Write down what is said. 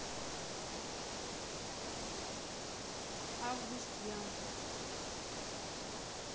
август ян